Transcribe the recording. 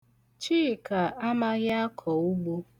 Chika amaghị akọ ugbo.